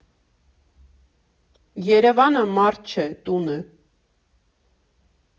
Երևանը մարդ չէ՝ տուն է։